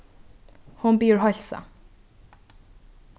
hon biður heilsa